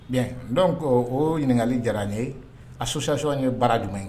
Bi dɔw ko o ɲininkakali diyaralen ye a sososiɔn ye baara jumɛn ye